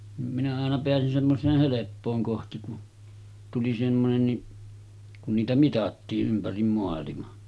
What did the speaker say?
niin minä aina aina pääsin semmoiseen helppoon kohti kun tuli semmoinenkin kun niitä mitattiin ympäri maailman